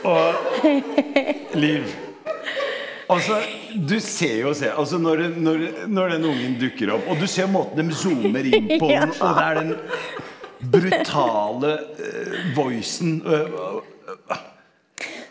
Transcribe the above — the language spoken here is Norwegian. og Liv, altså du ser jo selv altså når du når du når den ungen dukker opp og du ser jo måten dem zoomer inn på, også det er den den brutale .